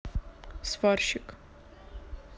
сварщик